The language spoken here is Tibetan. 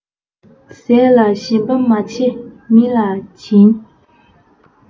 ཟས ལ ཞེན པ མ ཆེ མི ལ བྱིན